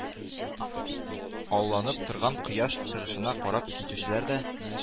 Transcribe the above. Алланып торган кояш чыгышына карап китүчеләр дә